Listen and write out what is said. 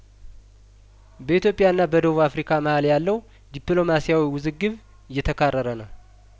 በኢትዮጵያ ና በደቡብ አፍሪካ መሀል ያለው ዲፕሎማሲያዊ ውዝግብ እየተካረረ ነው